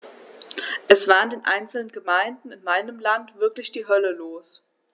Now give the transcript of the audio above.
Es war in einzelnen Gemeinden in meinem Land wirklich die Hölle los.